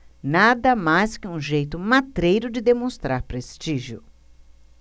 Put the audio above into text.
nada mais que um jeito matreiro de demonstrar prestígio